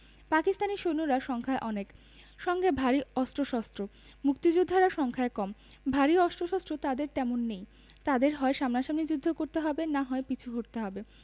পাকিস্তানি সৈন্যরা সংখ্যায় অনেক সঙ্গে ভারী অস্ত্রশস্ত্র মুক্তিযোদ্ধারা সংখ্যায় কম ভারী অস্ত্রশস্ত্র তাঁদের তেমন নেই তাঁদের হয় সামনাসামনি যুদ্ধ করতে হবে না হয় পিছু হটতে হবে